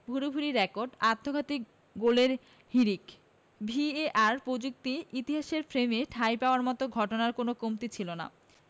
ভূরি ভূরি রেকর্ড আত্মঘাতী গোলের হিড়িক ভিএআর প্রযুক্তি ইতিহাসের ফ্রেমে ঠাঁই পাওয়ার মতো ঘটনার কোনো কমতি ছিল না